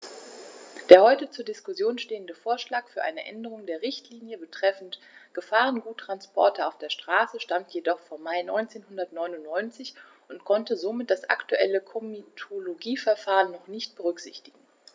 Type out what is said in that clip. Der heute zur Diskussion stehende Vorschlag für eine Änderung der Richtlinie betreffend Gefahrguttransporte auf der Straße stammt jedoch vom Mai 1999 und konnte somit das aktuelle Komitologieverfahren noch nicht berücksichtigen.